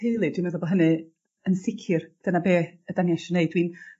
...teulu dwiin meddwl bo' hynny yn sicir dyna be' ydan ni eisie neud. Dwi